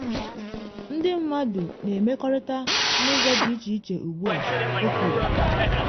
“Ndị mmadụ na emerịkọta n’ụzọ dị iche iche” ugbu a, o kwuru.